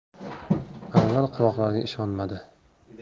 anvar quloqlariga ishonmadi